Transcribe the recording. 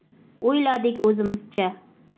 o'yladik o'zimizcha